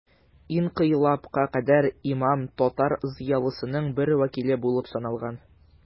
Инкыйлабка кадәр имам татар зыялысының бер вәкиле булып саналган.